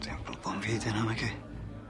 Dim problam fi 'di wnna naci?